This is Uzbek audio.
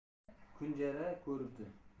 qora sigir tushida kunjara ko'ribdi